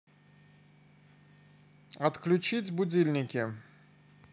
отключить будильники